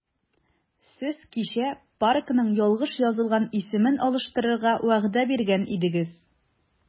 Сез кичә паркның ялгыш язылган исемен алыштырырга вәгъдә биргән идегез.